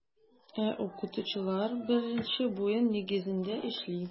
Ә укытучылар беренче буын нигезендә эшли.